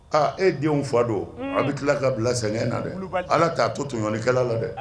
Aa e denw fa don an bɛ tila ka bila sɛgɛngɛn na dɛ ala t'a to to ɲkɛla la dɛ